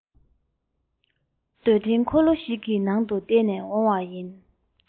འདུད འཐེན འཁོར ལོ ཞིག གི ནང དུ བསྡད ནས འོང བའི ཚུལ